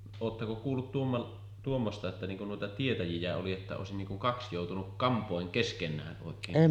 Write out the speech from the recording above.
oletteko kuullut tuommoista että niin kun noita tietäjiä oli että olisi niin kuin kaksi joutunut kampoihin keskenään oikein